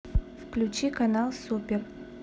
включи канал супер